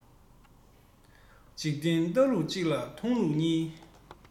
འཇིག རྟེན ལྟ ལུགས གཅིག ལ མཐོང ལུགས གཉིས